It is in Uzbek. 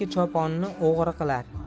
eski choponni o'g'ri qilar